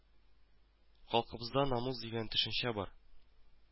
Халкыбызда намус дигән төшенчә бар